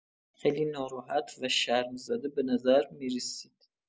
خیلی ناراحت و شرم‌زده به نظر می‌رسید!